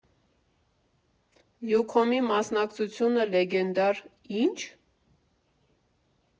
Յուքոմի մասնակցությունը լեգենդար «Ի՞նչ։